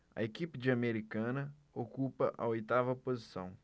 a equipe de americana ocupa a oitava posição